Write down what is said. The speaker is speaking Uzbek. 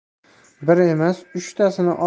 bir emas uchtasini